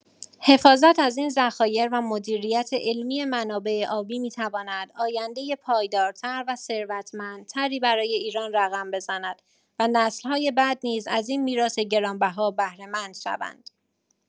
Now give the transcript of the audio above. حفاظت از این ذخایر و مدیریت علمی منابع آبی می‌تواند آینده پایدارتر و ثروتمندتری برای ایران رقم بزند و نسل‌های بعد نیز از این میراث گرانبها بهره‌مند شوند.